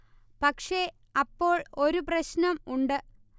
പക്ഷെ അപ്പോൾ ഒരു പ്രശ്നം ഉണ്ട്